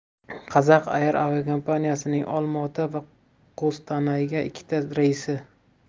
qazaq air aviakompaniyasining olmaota va qo'stanayga ikkita reysi